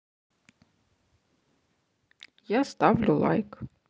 я ставлю лайк